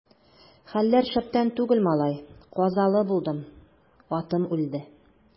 Хәлләр шәптән түгел, малай, казалы булдым, атым үлде.